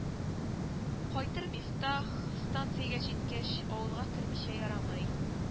Кайтыр Мифтах, станциягә җиткәч, авылга кермичә ярамый